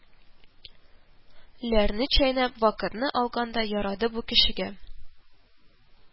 Ләрне чәйнәп вакытны алганда ярады бу кешегә